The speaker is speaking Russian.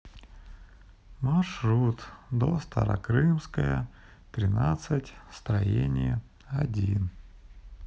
маршрут до старокрымская тринадцать строение один